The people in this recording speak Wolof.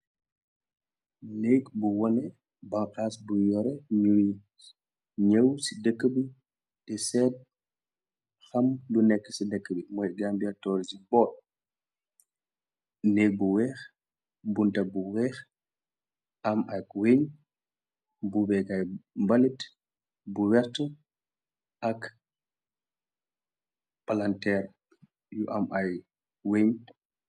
nékg bu wone baclaas bu yore ñuy ñëw ci dëkk bi te seet xam lu nekk ci dëkk bi mooy gam biatoris i boot nég bu weex bunte bu weex am ak weñ bu beek ay mbalit bu wert ak palanteer yu am ay weñ